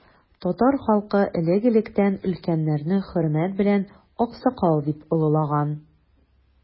Татар халкы элек-электән өлкәннәрне хөрмәт белән аксакал дип олылаган.